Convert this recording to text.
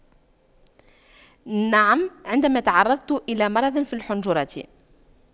نعم عندما تعرضت الى مرض في الحنجرة